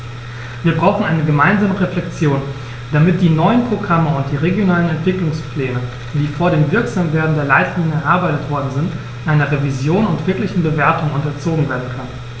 Wir brauchen eine gemeinsame Reflexion, damit die neuen Programme und die regionalen Entwicklungspläne, die vor dem Wirksamwerden der Leitlinien erarbeitet worden sind, einer Revision und wirklichen Bewertung unterzogen werden können.